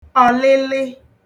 ọ̀lịlị